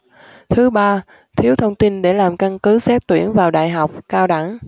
thứ ba thiếu thông tin để làm căn cứ xét tuyển vào đại học cao đẳng